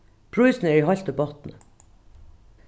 prísirnir eru heilt í botni